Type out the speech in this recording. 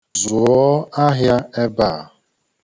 Zụọ ahịa ebe a.